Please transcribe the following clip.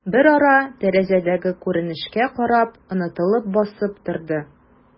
Берара, тәрәзәдәге күренешкә карап, онытылып басып торды.